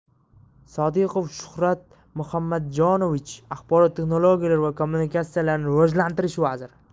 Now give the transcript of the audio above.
sodiqov shuhrat muhamadjonovich axborot texnologiyalari va kommunikatsiyalarini rivojlantirish vaziri